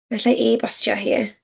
Alla i ebostio hi.